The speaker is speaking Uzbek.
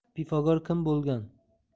pifagor kim bo'lgan